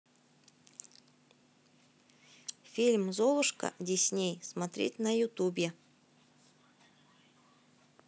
фильм золушка дисней смотреть на ютубе